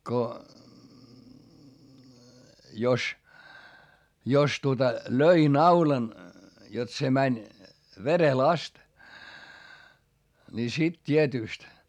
kun jos jos tuota löi naulan jotta se meni verelle asti niin sitten tietysti